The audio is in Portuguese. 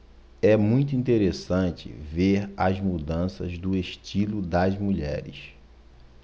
é muito interessante ver as mudanças do estilo das mulheres